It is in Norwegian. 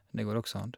Det går også an.